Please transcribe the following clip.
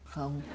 không